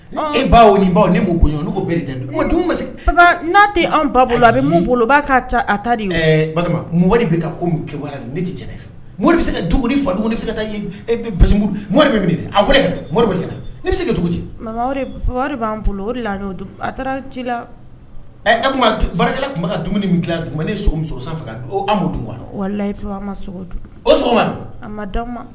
E ba ni baw ni bere'a tɛ ba bolo a bɛ bolo ba bɛ ka kɛwa ne tɛ jɛnɛ ne mori bɛ se ka dugu fa dugu bɛ se ka taa mori bɛ a mori ne bɛ se ka dugu mama b'an bolo la a taara ci la tun barika tun bɛ ka dumuni min tila dugu ne sogomuso sanfɛ faga amadu wa walayi ma o sɔgɔma ma ma